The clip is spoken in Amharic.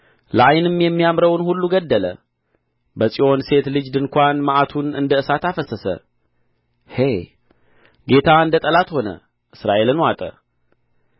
ለዓይንም የሚያምረውን ሁሉ ገደለ በጽዮን ሴት ልጅ ድንኳን መዓቱን እንደ እሳት አፈሰሰ ሄ ጌታ እንደ ጠላት ሆነ እስራኤልን ዋጠ